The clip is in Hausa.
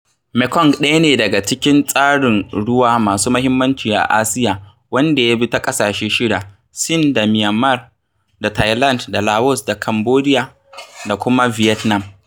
Mekong ɗaya ne daga cikin tsarin ruwa masu muhimmanci a Asiya wanda ya bi ta ƙasashe shida: Sin da Myanmar da Thailand da Laos da Cambodiya da kuma vietnam.